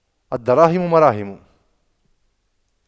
الدراهم مراهم